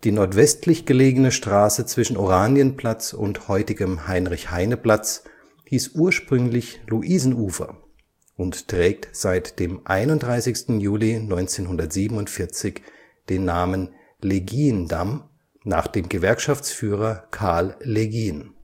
nordwestlich gelegene Straße zwischen Oranienplatz und heutigem Heinrich-Heine-Platz hieß ursprünglich Luisenufer und trägt seit dem 31. Juli 1947 den Namen Legiendamm nach dem Gewerkschaftsführer Carl Legien